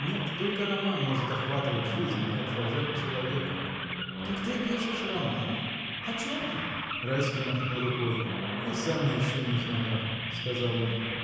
Нет, только роман может охватывать жизнь и отражать человека! — Так ты пишешь роман. о чем же? Райский махнул рукой. — И сам еще не знаю! — сказал он.